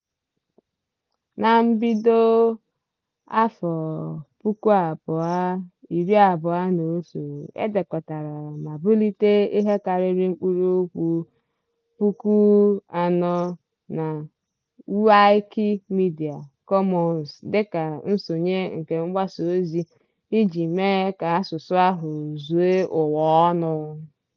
Na mbido 2021, edekọtara ma bulite ihe karịrị mkpụrụokwu 4,000 na Wikimedia Commons dịka nsonye nke mgbasaozi iji mee ka asụsụ ahụ zuo ụwaọnụ.